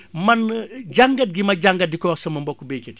man jàngat gi ma jàngat di ko wax sama mbokku baykat yi